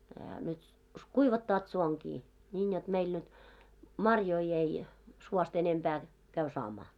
eihän nyt kuivattavat suonkin niin jotta meillä nyt marjoja ei suosta enempää käy saamaan